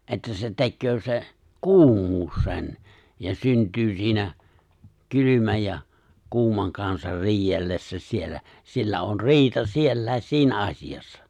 että se tekee se kuumuus sen ja syntyy siinä kylmän ja kuuman kanssa riidellessä siellä siellä on riita sielläkin siinä asiassa